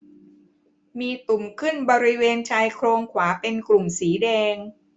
มีตุ่มขึ้นบริเวณชายโครงขวาเป็นกลุ่มสีแดง